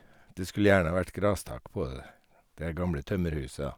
Det skulle gjerne vært grastak på det, det gamle tømmerhuset, da.